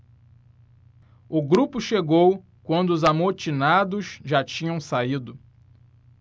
o grupo chegou quando os amotinados já tinham saído